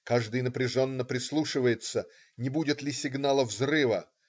Каждый напряженно прислушивается: не будет ли сигнала - взрыва.